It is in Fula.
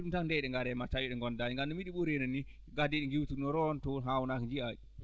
wii ɗum tan nde ɗi ngari ma tawi ɗi ngonndaani nganndumi ɗi ɓuriino nii gaa dee ɗi ngiwtino rewontoon haawnaaki njiyaa ɗi